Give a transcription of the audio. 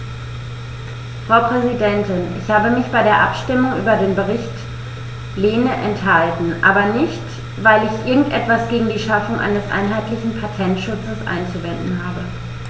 Frau Präsidentin, ich habe mich bei der Abstimmung über den Bericht Lehne enthalten, aber nicht, weil ich irgend etwas gegen die Schaffung eines einheitlichen Patentschutzes einzuwenden habe.